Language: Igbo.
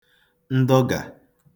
ndọgà